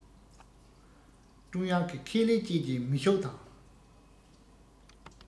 ཀྲུང དབྱང གི ཁེ ལས བཅས ཀྱིས མི ཤུགས དང